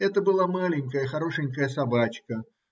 Это была маленькая хорошенькая собачка